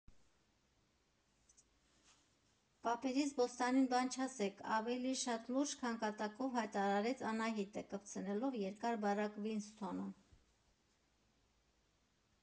֊ Պապերիս բոստանին բան չասեք, ֊ ավելի շատ լուրջ, քան կատակով հայտարարեց Անահիտը՝ կպցնելով երկար բարակ «Վինսթոնը»։